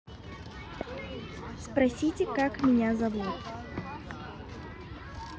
спросите как меня зовут